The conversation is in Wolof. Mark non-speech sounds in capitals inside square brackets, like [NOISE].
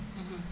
[HESITATION] [HESITATION]